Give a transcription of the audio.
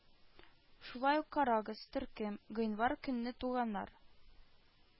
Шулай ук карагыз: Төркем:гыйнвар көнне туганнар